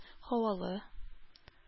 Һавалы